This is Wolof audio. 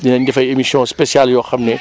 dinañ def ay émissions spéciales yoo xam ne